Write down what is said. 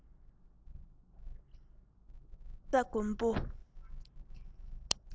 དབྱར རྩྭ དགུན འབུ